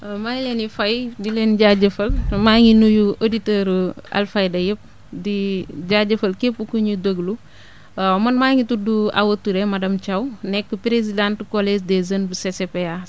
ma ngi leen di fay di leen jaajëfal maa ngi nuyu auditeurs yu Alfayda yëpp di jaajëfal képp ku ñuy déglu man maa ngi tudd Awa Touré madame :ra Thiaw nekk présidente collège des jeunes bu CCPA